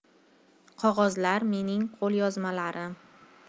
qog'ozlar mening qo'lyozmalarim